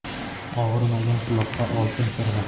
og'rimagan quloqqa oltin sirg'a